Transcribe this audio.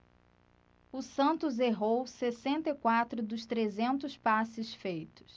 o santos errou sessenta e quatro dos trezentos passes feitos